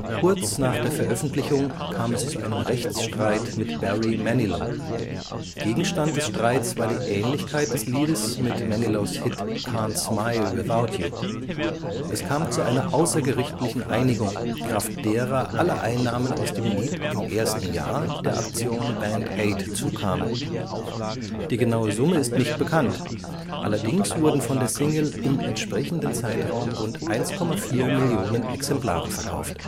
Kurz nach der Veröffentlichung kam es zu einem Rechtsstreit mit Barry Manilow. Gegenstand des Streits war die Ähnlichkeit des Liedes mit Manilows Hit Can’ t Smile without You. Es kam zu einer außergerichtlichen Einigung, kraft derer alle Einnahmen aus dem Lied im ersten Jahr der Aktion Band Aid zukamen. Die genaue Summe ist nicht bekannt, allerdings wurden von der Single im entsprechenden Zeitraum rund 1,4 Millionen Exemplare verkauft